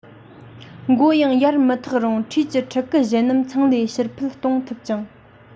མགོ ཡང ཡར མི ཐེག རུང འཁྲིས ཀྱི ཕྲུ གུ གཞན རྣམས ཚང ལས ཕྱིར ཕུད གཏོང ཐུབ ཅིང